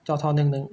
จอทอหนึ่งหนึ่ง